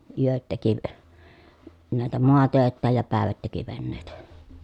yöt teki näitä maatöitään ja päivät teki veneitä